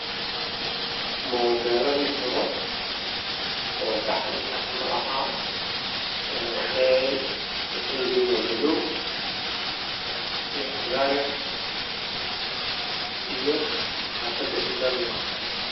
Beeladii hore gacanka ah ayaa yaalla meeshaan garkoodana waa madow waxayna ku jiraan cadaan ah